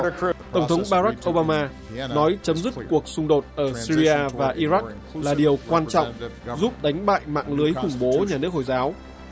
tổng thống ba rách ô ba ma nói chấm dứt cuộc xung đột ở syria và i rắc là điều quan trọng giúp đánh bại mạng lưới khủng bố nhà nước hồi giáo